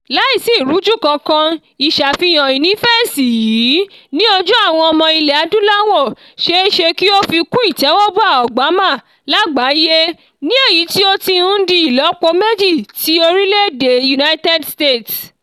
Láìsí ìrújú kankan, ìsàfihàn ìnífẹ̀ẹ́sí yìí ní ojú àwọn ọmọ Ilẹ̀ Adúláwò ṣeéṣe kí ó fi kún ìtẹ́wọ́gbà Obama lágbàáyé, ní èyí tí ó ti ń di ìlọ́po méjì ti orílẹ̀ èdè United States.